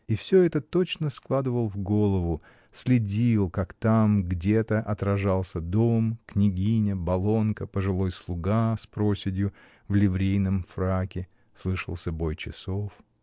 И всё это точно складывал в голову, следил, как там, где-то, отражался дом, княгиня, болонка, пожилой слуга с проседью, в ливрейном фраке, слышался бой часов.